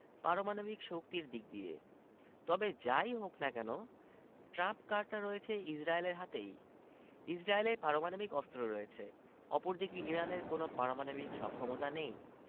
পারমাণবিক শক্তির দিক দিয়ে তবে যা ই হোক না কেন ট্রাম্প কার্ডটা রয়েছে ইসরায়েলের হাতেই ইসরায়েলের পারমাণবিক অস্ত্র রয়েছে অপরদিকে ইরানের কোনো পারমাণবিক সক্ষমতা নেই